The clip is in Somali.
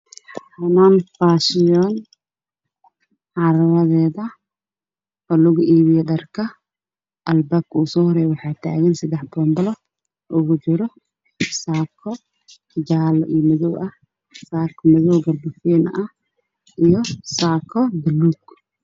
Waa tukaan darbigu waa dhalo cadaan ah